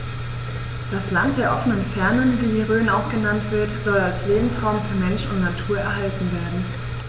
Das „Land der offenen Fernen“, wie die Rhön auch genannt wird, soll als Lebensraum für Mensch und Natur erhalten werden.